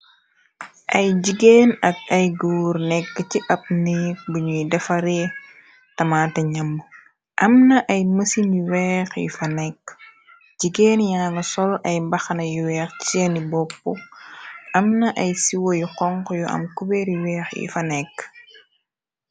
ay jigeen ak ay guur nekk ci abniik buñuy defaree tamate ñamb am na ay mësini weex yu fa nekk jigéen yaanga sol ay mbaxna yu weex ceeni bopp amna ay siwo yu xonx yu am kuberi weex yi fa nekk